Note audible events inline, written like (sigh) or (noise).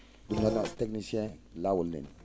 ?um noon (music) technicien laawol na nii